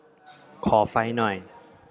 ขอไฟหน่อย